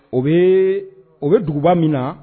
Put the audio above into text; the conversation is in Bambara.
O Bee O be duguba min na